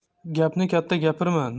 gapni katta gapirma